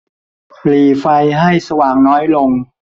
หรี่ไฟให้สว่างน้อยลง